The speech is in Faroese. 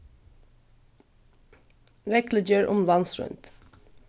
reglugerð um landsroynd